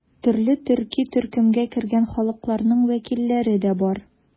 Төрле төрки төркемгә кергән халыкларның вәкилләре дә бар.